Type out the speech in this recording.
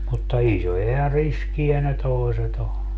mutta isoja ja riskejä ne toiset on